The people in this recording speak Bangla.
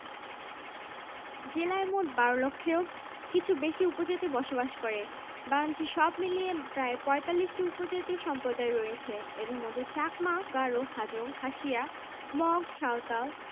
জেলায় মোট ১২ লক্ষের কিছু বেশি উপজাতি বসবাস করে বাংলাদেশে সব মিলিয়ে প্রায় ৪৫টি উপজাতীয় সম্প্রদায় রয়েছে এদের মধ্যে চাকমা গারো হাজং খাসিয়া মগ সাঁওতাল